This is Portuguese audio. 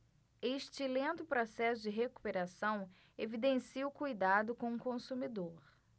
este lento processo de recuperação evidencia o cuidado com o consumidor